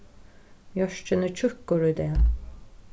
mjørkin er tjúkkur í dag